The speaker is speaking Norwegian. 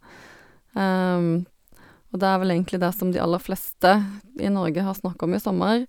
Og det er vel egentlig det som de aller fleste i Norge har snakka om i sommer.